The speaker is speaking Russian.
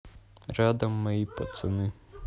рядом мои пацаны